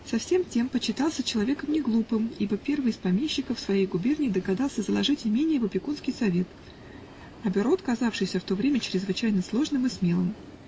со всем тем почитался человеком не глупым, ибо первый из помещиков своей губернии догадался заложить имение в Опекунский совет: оборот, казавшийся в то время чрезвычайно сложным и смелым.